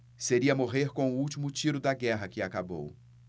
seria morrer com o último tiro da guerra que acabou